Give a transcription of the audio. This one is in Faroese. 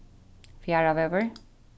fjarðavegur